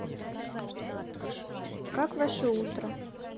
как ваше утро